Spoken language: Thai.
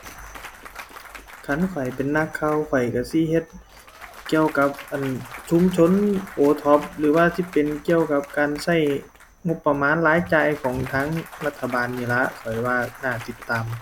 คันข้อยเป็นนักข่าว ข้อยก็สิเฮ็ดเกี่ยวกับ อั่น ชุมชน OTOP หรือว่าสิเป็นเกี่ยวกับการก็งบประมาณรายจ่ายของทางรัฐบาลนี้ล่ะ ข้อยว่าน่าติดตาม